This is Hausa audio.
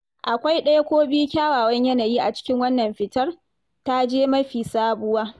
Akwai ɗaya ko biyu kyawawan yanayi a cikin wannan fitar ta JE mafi sabuwa.